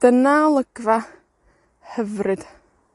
Dyna olygfa hyfryd.